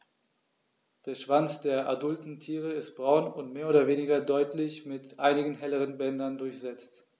Der Schwanz der adulten Tiere ist braun und mehr oder weniger deutlich mit einigen helleren Bändern durchsetzt.